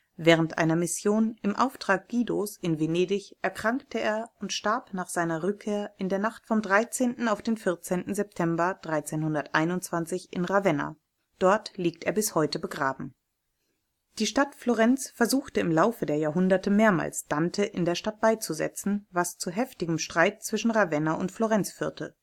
Während einer Mission im Auftrag Guidos in Venedig erkrankte er und starb nach seiner Rückkehr in der Nacht vom 13. auf den 14. September 1321 in Ravenna; dort liegt er bis heute begraben. Die Stadt Florenz versuchte im Laufe der Jahrhunderte mehrmals, Dante in der Stadt beizusetzen, was zu heftigem Streit zwischen Ravenna und Florenz führte